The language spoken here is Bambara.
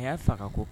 A y'a fa ka ko